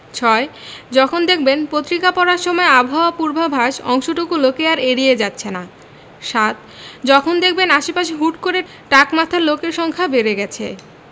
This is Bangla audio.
৬. যখন দেখবেন পত্রিকা পড়ার সময় আবহাওয়ার পূর্বাভাস অংশটুকু লোকে আর এড়িয়ে যাচ্ছে না ৭. যখন দেখবেন আশপাশে হুট করে টাক মাথার লোকের সংখ্যা বেড়ে গেছে